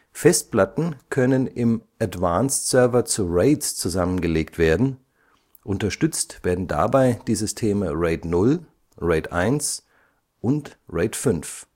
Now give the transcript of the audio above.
Festplatten können im Advanced Server zu RAIDs zusammengelegt werden, unterstützt werden dabei die Systeme RAID 0, RAID 1, und RAID 5.